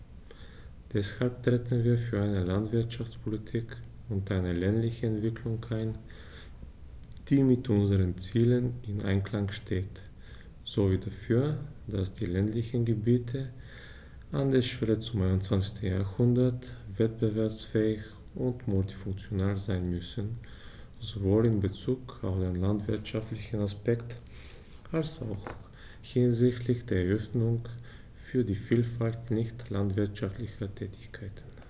Deshalb treten wir für eine Landwirtschaftspolitik und eine ländliche Entwicklung ein, die mit unseren Zielen im Einklang steht, sowie dafür, dass die ländlichen Gebiete an der Schwelle zum 21. Jahrhundert wettbewerbsfähig und multifunktional sein müssen, sowohl in bezug auf den landwirtschaftlichen Aspekt als auch hinsichtlich der Öffnung für die Vielfalt nicht landwirtschaftlicher Tätigkeiten.